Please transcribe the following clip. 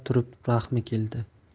turib rahmi keldi